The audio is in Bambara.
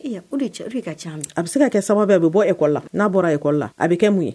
Bɛ' ka ca a bɛ se ka kɛ sababu bɛɛ bɛ bɔ e kɔ la n'a bɔra e kɔla a bɛ kɛ mun ye